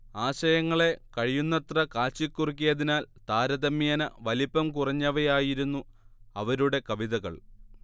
ആശയങ്ങളെ കഴിയുന്നത്ര കാച്ചിക്കുറുക്കിയതിനാൽ താരതമ്യേന വലിപ്പം കുറഞ്ഞവയായിരുന്നു അവരുടെ കവിതകൾ